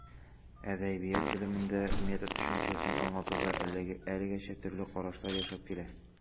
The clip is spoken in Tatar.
Әдәбият белемендә метод төшенчәсен аңлатуда әлегәчә төрле карашлар яшәп килә.